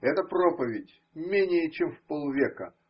Эта проповедь менее, чем и полвека.